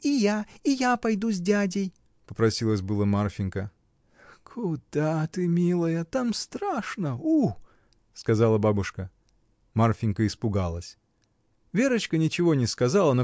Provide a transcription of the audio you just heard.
— И я, и я пойду с дядей, — запросилась было Марфинька. — Куда ты, милая? там страшно — у! — сказала бабушка. Марфинька испугалась. Верочка ничего не сказала